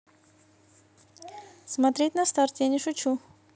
смотреть на старте я не шучу